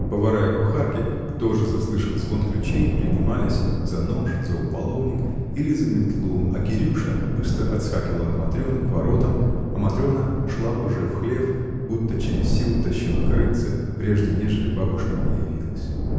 Повара и кухарки, тоже заслышав звон ключей, принимались — за нож, за уполовник или за метлу, а Кирюшка быстро отскакивал от Матрены к воротам, а Матрена шла уже в хлев, будто через силу тащила корытце, прежде нежели бабушка появилась.